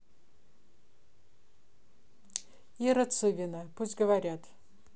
ира цывина пусть говорят